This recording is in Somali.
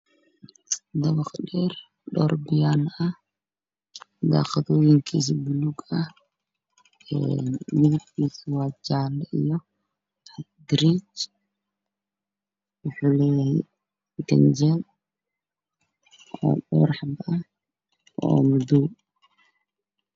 Meshan waxaa iiga muuqda Guri Dheer OO dabaq ah waxaa u ag yaalo guryo kale